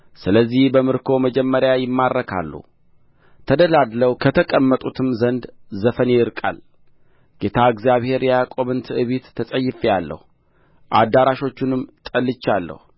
ስለዚህ በምርኮ መጀመሪያ ይማረካሉ ተደላድለው ከተቀመጡትም ዘንድ ዘፈን ይርቃል ጌታ እግዚአብሔር የያዕቆብን ትዕቢት ተጸይፌአለሁ አዳራሾቹንም ጠልቻለሁ